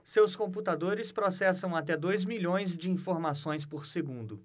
seus computadores processam até dois milhões de informações por segundo